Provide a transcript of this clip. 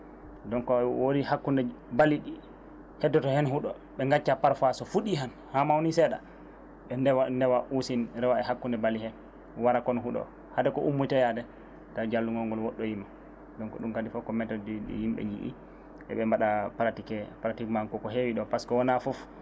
donc a woori hakkunde baali ɗi heddoto heen huuɗo ɓe gacca parfois so fuuɓi han haa mawni seeɗa ɓe ndewa ndewa husini rewa e hakkude baali hee wara kon huuɗo haade ko ummitoyade taw njallungol ngol woɗɗoyima donc kadi ɗum ɗon foof ko méthode ɗi yimɓe njii eɓe mbaɗa pratiqué pratiquement koko heewi ɗo par ce que wona foof